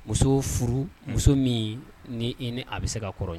Muso furu muso min ni ni a bɛ se ka kɔrɔɔrɔn ye